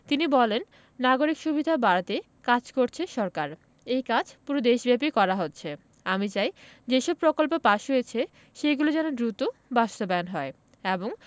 তিনি বলেন নাগরিক সুবিধা বাড়াতে কাজ করছে সরকার এই কাজ পুরো দেশব্যাপী করা হচ্ছে আমি চাই যেসব প্রকল্প পাস হয়েছে সেগুলো যেন দ্রুত বাস্তবায়ন হয় এবং